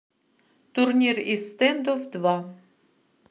турнир из standoff два